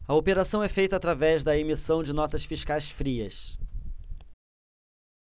a operação é feita através da emissão de notas fiscais frias